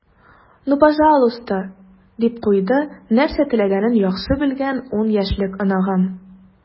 "ну пожалуйста," - дип куйды нәрсә теләгәнен яхшы белгән ун яшьлек оныгым.